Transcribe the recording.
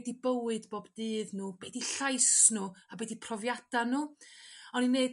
'di bywyd bob dydd n'w? Be 'di llais n'w a be 'di profiada' n'w? Oni'n neud